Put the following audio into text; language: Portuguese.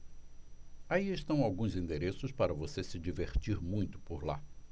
aí estão alguns endereços para você se divertir muito por lá